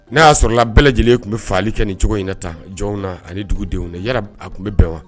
Ne y'a sɔrɔla bɛɛ lajɛlen tun bɛ fagali kɛ ni cogo in na ta jɔn na ani dugudenw yɛrɛ a tun bɛ bɛn wa